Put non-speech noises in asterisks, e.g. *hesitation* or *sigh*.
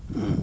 *hesitation* *hesitation*